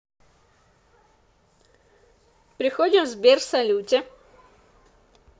переходим в сбер салюте